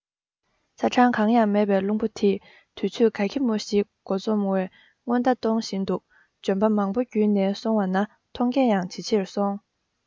ཚ གྲང གང ཡང མེད པའི རླུང བུ དེས དུས ཚོད ག གེ མོ ཞིག མགོ རྩོམ བའི སྔོན བརྡ གཏོང བཞིན འདུག ལྗོན པ མང པོ བརྒྱུད ནས སོང བ ན མཐོང རྒྱ ཡང ཇེ ཆེར སོང